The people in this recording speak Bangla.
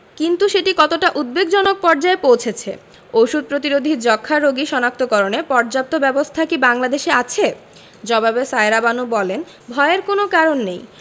কিন্তু সেটি কতটা উদ্বেগজনক পর্যায়ে পৌঁছেছে ওষুধ প্রতিরোধী যক্ষ্মা রোগী শনাক্তকরণে পর্যাপ্ত ব্যবস্থা কি বাংলাদেশে আছে জবাবে সায়েরা বানু বলেন ভয়ের কোনো কারণ নেই